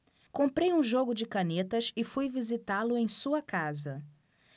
comprei um jogo de canetas e fui visitá-lo em sua casa